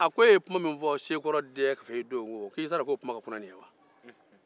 a ko e ye kuma min fɔ sekɔrɔ dɛɛ fɛ yen o don i t'a dɔn o ka kunna ni ye wa